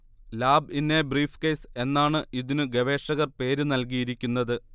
lab in a briefcase എന്നാണു ഇതിനു ഗവേഷകർ പേര് നല്കിയിരിക്കുന്നത്